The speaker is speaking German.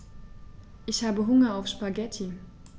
Ich habe Hunger auf Spaghetti.